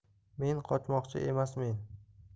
men qochmoqchi emasmen